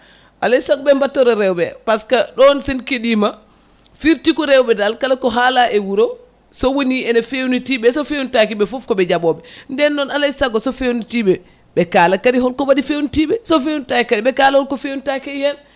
alay saago ɓe mbattora rewɓe par ce que ɗon sen keeɗima fiirti ko rewɓe dal kala ko haala e wuuro so woni ene fewnitiɓe e so fewnitakiɓe foof kooɓe jaɓoɓe nden noon alay saago so fewnitiɓe ɓe kala kadi holko waɗi fewnitiɓe so fewnitaki kadi ɓe kaala holko fewnitaki hen